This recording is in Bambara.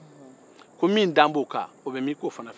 ko min dalen bɛ o kan bɛ min